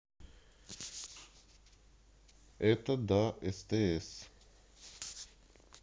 это да стс